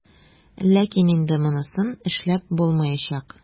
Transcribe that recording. Ләкин инде монысын эшләп булмаячак.